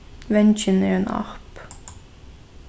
vangin er ein app